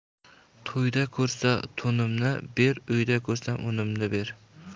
to'yda ko'rsa to'nimni ber uyda ko'rsa unimni ber